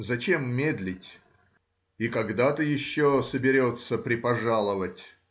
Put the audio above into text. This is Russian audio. зачем медлит и когда-то еще соберется припожаловать?